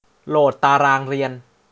โหลดตารางเรียน